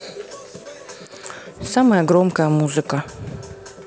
самая громкая музыка